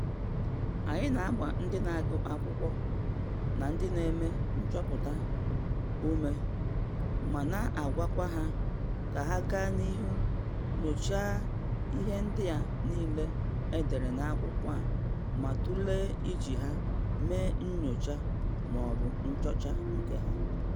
Anyị na-agba ndị na-agụ akwụkwọ na ndị na-eme nchọpụta ume ma na-agwa kwa ha ka ha gaa n'ihu nyochaa ihendị a niile e dere n'akwụkwọ a ma tulee iji ha mee nyocha maọbụ nchọcha nke ha.